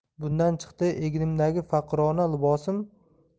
bundan chiqdi egnimdagi faqirona libosim